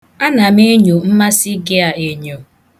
A na m enyo mmasị gị a enyo.